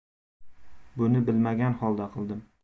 buni bilmagan holda qildim